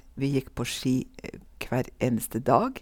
Vi gikk på ski hver eneste dag.